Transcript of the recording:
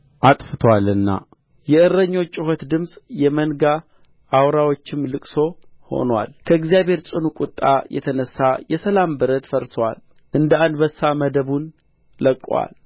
አጥፍቶአልና የእረኞች ጩኸት ድምፅ የመንጋ አውራዎችም ልቅሶ ሆኖአል ከእግዚአብሔር ጽኑ ቁጣ የተነሣ የሰላም በረት ፈርሶአል እንደ አንበሳ መደቡን ለቅቆአል